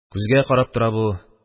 Күзгә карап тора бу.